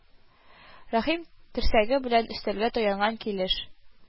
Рәхим, терсәге белән өстәлгә таянган килеш: